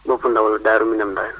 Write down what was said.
Bafou Ndao la Darou Minam Ndaween